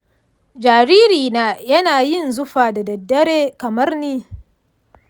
jaririna yana yin zufa da daddare kamar ni.